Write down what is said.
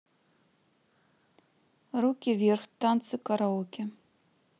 руки вверх танцы караоке